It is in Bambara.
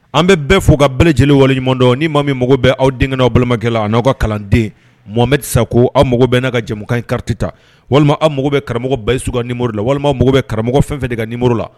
An bɛ bɛɛ fo' ka bɛɛ lajɛlen waleɲumandɔ ni maa min mago bɛ aw denkɛ balimakɛla n' awaw ka kalanden mɔmɛ tɛsa ko aw mago bɛɛ ka jɛ in karatati ta walima aw mago bɛ karamɔgɔ basi su ka nimo la walima mako bɛ karamɔgɔ fɛn fɛ de ka la